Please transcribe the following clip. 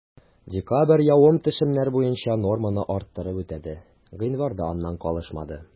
Декабрь явым-төшемнәр буенча норманы арттырып үтәде, гыйнвар да аннан калышмады.